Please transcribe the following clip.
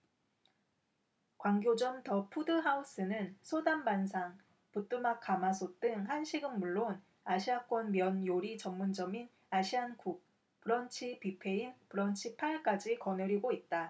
광교점 더 푸드 하우스는 소담반상 부뚜막 가마솥 등 한식은 물론 아시아권 면 요리 전문점인 아시안쿡 브런치뷔페인 브런치 팔 까지 거느리고 있다